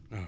waaw